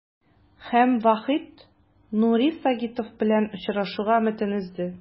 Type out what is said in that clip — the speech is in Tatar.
Һәм Вахит Нури Сагитов белән очрашуга өметен өзде.